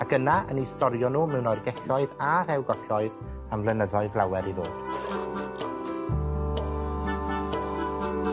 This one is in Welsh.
Ac yna, yn eu storio nw mewn oergelloedd a rhewgolloedd, am flynyddoedd lawer i ddod.